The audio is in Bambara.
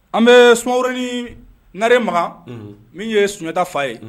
An bɛ sumaworo ni nare makan min ye sunjatada fa ye